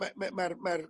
m'e m'e ma'r ma'r